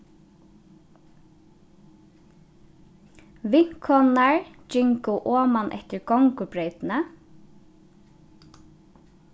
vinkonurnar gingu oman eftir gongubreytini